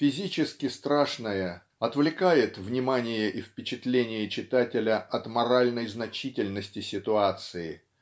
физически страшное отвлекает внимание и впечатление читателя от моральной значительности ситуации